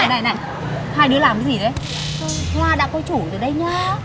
này này hai đứa làm cái gì đấy hoa đã có chủ rồi đấy nhớ